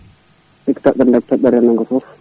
siibu toɓɓere nde ko toɓɓere rendo ngo foof